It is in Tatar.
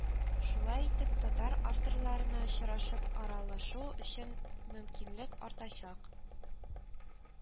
Шулай итеп татар авторларына очрашып, аралашу өчен мөмкинлек артачак